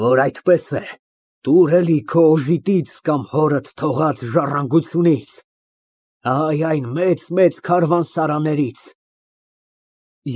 Որ այդպես է, տուր էլի քո օժիտից կամ հորդ թողած ժառանգությունից, այ, այն մեծ֊մեծ քարավաններից։